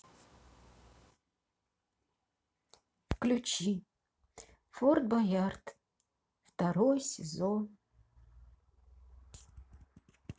включи форт боярд второй сезон